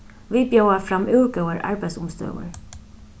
vit bjóða framúr góðar arbeiðsumstøður